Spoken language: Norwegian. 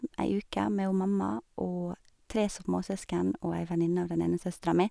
m Ei uke, med hun mamma og tre småsøsken og ei venninne av den ene søstera mi.